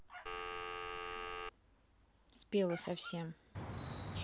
спела совсем